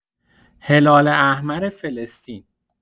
هلال‌احمر فلسطین